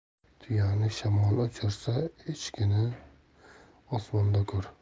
tuyani shamol uchirsa echkini osmonda ko'r